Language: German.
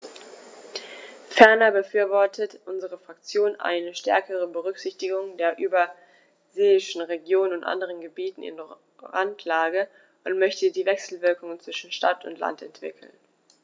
Ferner befürwortet unsere Fraktion eine stärkere Berücksichtigung der überseeischen Regionen und anderen Gebieten in Randlage und möchte die Wechselwirkungen zwischen Stadt und Land entwickeln.